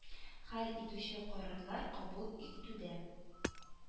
Хәл итүче карарлар кабул итүдә